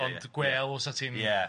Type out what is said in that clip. ond gwêl fysa ti'n... Ia.